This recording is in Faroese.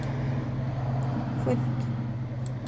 fínt